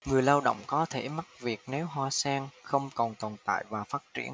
người lao động có thể mất việc nếu hoa sen không còn tồn tại và phát triển